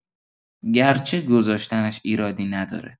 گرچه گذاشتنش ایرادی نداره